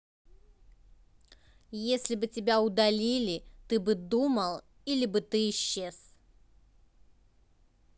если бы тебя удалили ты бы думал или бы ты исчез